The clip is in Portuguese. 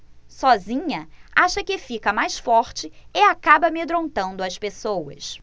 sozinha acha que fica mais forte e acaba amedrontando as pessoas